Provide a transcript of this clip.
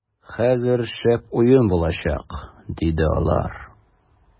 - хәзер шәп уен булачак, - диде алар.